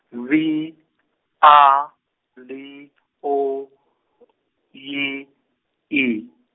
V A L O Y I.